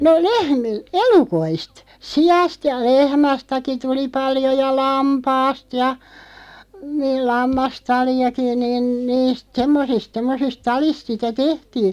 no - elukoista siasta ja lehmästäkin tuli paljon ja lampaasta ja niin lammastaliakin niin niistä semmoisista semmoisista taleista sitä tehtiin